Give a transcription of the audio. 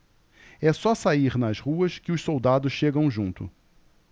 é só sair nas ruas que os soldados chegam junto